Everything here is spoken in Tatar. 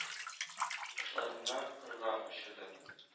Кошларымны кырга очырдым.